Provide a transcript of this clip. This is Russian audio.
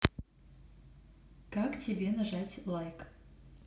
как тебе нажать лайк